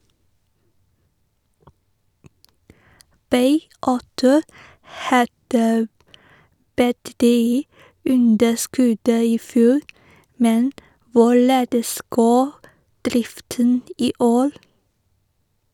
- Bay Auto hadde betydelig underskudd i fjor, men hvorledes går driften i år?